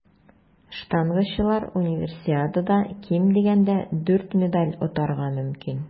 Штангачылар Универсиадада ким дигәндә дүрт медаль отарга мөмкин.